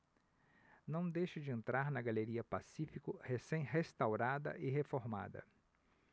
não deixe de entrar na galeria pacífico recém restaurada e reformada